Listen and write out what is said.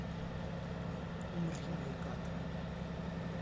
умри май гад